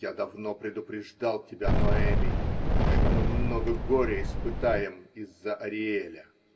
-- Я давно предупреждал тебя, Ноэми, что мы много горя испытаем из-за Ариэля.